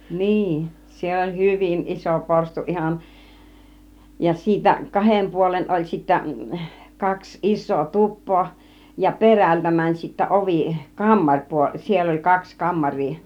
niin siellä oli hyvin iso porstua ihan ja siitä kahden puolen oli sitten kaksi isoa tupaa ja perältä meni sitten ovi kammaripuoli siellä oli kaksi kammaria